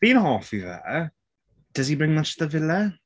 Fi yn hoffi fe. Does he bring much to the villa?